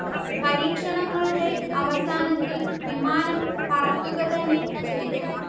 പരീക്ഷണങ്ങളുടെ അവസാനത്തിൽ വിമാനം പറത്തുകതന്നെ ചെയ്തു